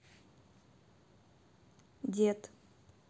дед